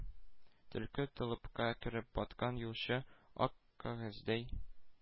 Төлке толыпка кереп баткан юлчы ак кәгазьдәй